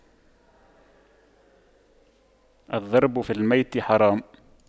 الضرب في الميت حرام